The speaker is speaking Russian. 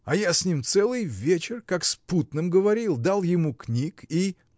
А я с ним целый вечер как с путным говорил, дал ему книг и.